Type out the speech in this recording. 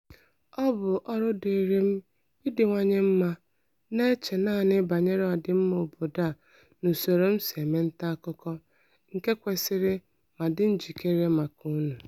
Ọ bụ ọrụ dịịrị m ịdịwanye mma, na-eche naanị banyere ọdịmma obodo a n'usoro m si eme ntaakụkọ, nke kwesịrị ma dị njikere maka ụnụ.